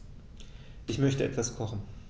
Ich möchte etwas kochen.